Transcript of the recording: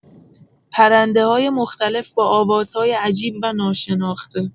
پرنده‌های مختلف با آوازهای عجیب و ناشناخته